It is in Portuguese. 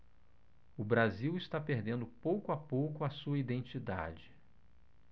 o brasil está perdendo pouco a pouco a sua identidade